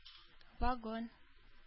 Вагон